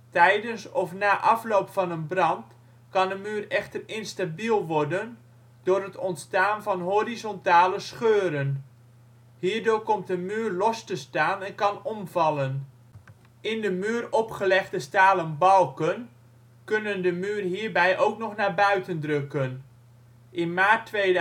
Tijdens of na afloop van een brand kan een muur echter instabiel worden door het ontstaan van (horizontale) scheuren. Hierdoor komt een muur los te staan en kan omvallen. In de muur opgelegde stalen balken kunnen de muur hierbij ook nog naar buiten drukken. In maart 2003